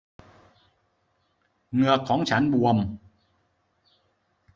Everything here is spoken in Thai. เหงือกของฉันบวม